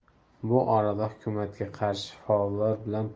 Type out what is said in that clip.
bu orada hukumatga qarshi faollar bilan